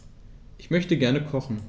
Ich möchte gerne kochen.